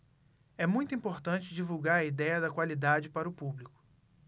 é muito importante divulgar a idéia da qualidade para o público